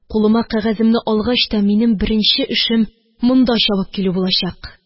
Кулыма кәгаземне алгач та, минем беренче эшем монда чабып килү булачак